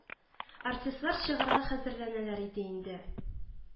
Артистлар чыгарга хәзерләнәләр иде инде